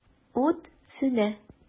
Ут сүнә.